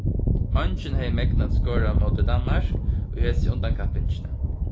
eingin hevði megnað at skorað móti danmark í hesi undankappingini